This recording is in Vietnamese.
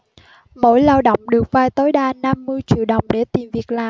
mỗi lao động được vay tối đa năm mươi triệu đồng để tìm việc làm